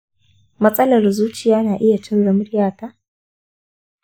matsalar zuciya na iya canza muryata?